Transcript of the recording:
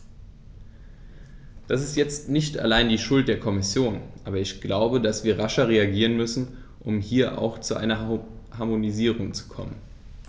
Das ist jetzt nicht allein die Schuld der Kommission, aber ich glaube, dass wir rascher reagieren müssen, um hier auch zu einer Harmonisierung zu kommen.